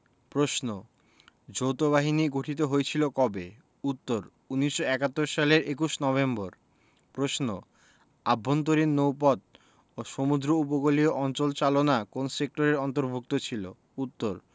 প্রশ্ন যৌথবাহিনী গঠিত হয়েছিল কবে উত্তর ১৯৭১ সালের ২১ নভেম্বর প্রশ্ন আভ্যন্তরীণ নৌপথ ও সমুদ্র উপকূলীয় অঞ্চল চালনা কোন সেক্টরের অন্তভু র্ক্ত ছিল উত্তর